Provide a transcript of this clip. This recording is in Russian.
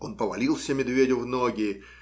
Он повалился медведю в ноги.